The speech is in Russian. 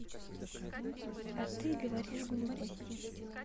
а ты говоришь глупости